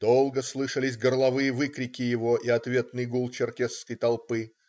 Долго слышались горловые выкрики его и ответный гул черкесской толпы.